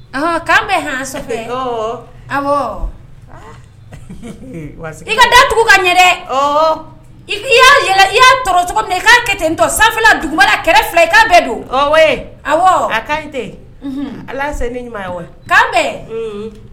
K'an bɛ h fɛ aw i ka da tugu ka ɲɛ dɛ i y'a tɔɔrɔ cogo min k' kɛ ten tɔ sanfɛ fila duguba kɛlɛ fila i ka bɛɛ don a ka ɲi tɛ ala se ne ɲuman ye wa'an bɛn